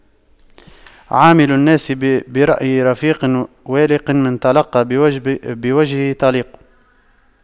عامل الناس برأي رفيق والق من تلقى بوجه طليق